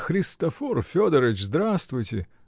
Христофор Федорыч, здравствуйте!